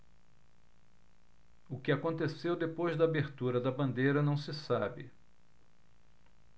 o que aconteceu depois da abertura da bandeira não se sabe